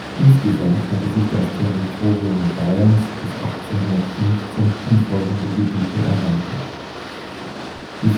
Insgesamt hatte sich das Territorium Bayerns bis 1815 um folgende Gebiete erweitert: die